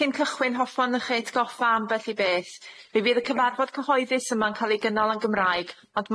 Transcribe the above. Cyn cychwyn hoffwn i chi atgoffa ambell i beth, fe fydd y cyfarfod cyhoeddus yma'n ca'l ei gynnal yn Gymraeg ond